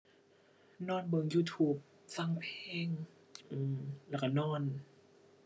นอนเบิ่ง YouTube ฟังเพลง อือ แล้วก็นอน